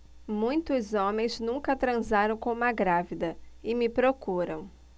muitos homens nunca transaram com uma grávida e me procuram